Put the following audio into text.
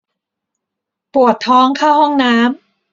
ปวดท้องเข้าห้องน้ำ